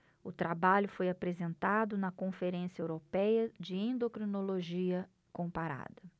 o trabalho foi apresentado na conferência européia de endocrinologia comparada